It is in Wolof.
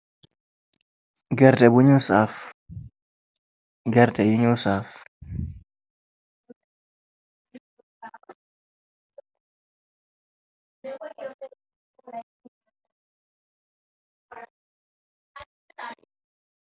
Gerte buñuy saaf, gerte yuñuy saaf.